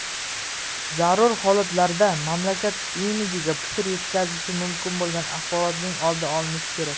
zarur holatlarda mamlakat imijiga putur yetkazishi mumkin bo'lgan axborotning oldi olinishi kerak